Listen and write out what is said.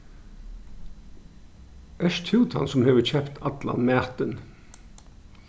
ert tú tann sum hevur keypt allan matin